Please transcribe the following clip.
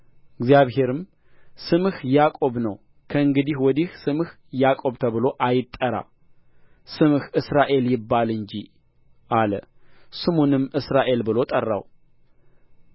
እግዚአብሔርም ስምህ ያዕቆብ ነው ከእንግዲህም ወዲህ ስምህ ያዕቆብ ተብሎ አይጠራ ስምህ እስራኤል ይባል እንጂ አለ ስሙንም እስራኤል ብሎ ጠራው